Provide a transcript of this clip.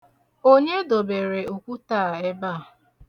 Onye dobere okwute a ebe a?